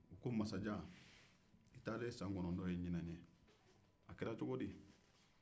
a ko masajan n'i y'i taalen san 9 ye a kɛra cogo di